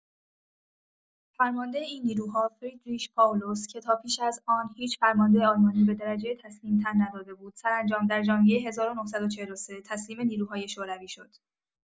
فرمانده این نیروها، فریدریش پائولوس، که تا پیش از آن هیچ فرمانده آلمانی به درجه تسلیم تن نداده بود، سرانجام در ژانویه ۱۹۴۳ تسلیم نیروهای شوروی شد.